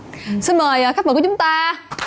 xin mời à khách mời của chúng ta